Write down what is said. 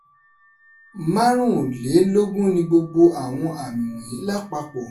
25 ni gbogbo àwọn àmì wọ̀nyí lápapọ̀.